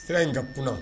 Fura in ka kunna